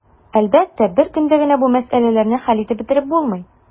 Әлбәттә, бер көндә генә бу мәсьәләләрне хәл итеп бетереп булмый.